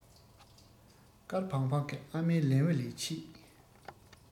དཀར བང བང གི ཨ མའི ལན བུ ལས ཆད